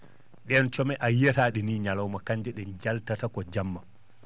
?een come a yiyataa?e ni ñalawma kannje ?e jaltata ko jamma